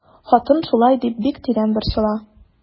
Хатын шулай дип бик тирән борчыла.